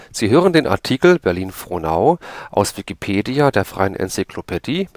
Sie hören den Artikel Berlin-Frohnau, aus Wikipedia, der freien Enzyklopädie